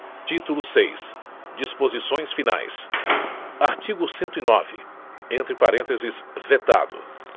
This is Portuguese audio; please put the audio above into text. título seis disposições finais artigo cento e nove entre parênteses vetado